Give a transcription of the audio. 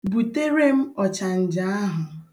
Butere m ọchanja ahụ.